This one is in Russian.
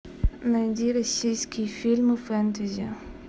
найди российские фильмы фэнтези